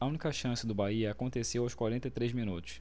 a única chance do bahia aconteceu aos quarenta e três minutos